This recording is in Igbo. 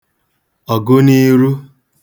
ọ̀gụniiru